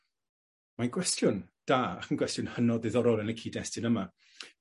Mae'n gwestiwn da ac yn gwestiwn hynod ddiddorol yn y cyd-destun yma.